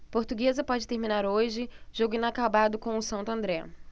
portuguesa pode terminar hoje jogo inacabado com o santo andré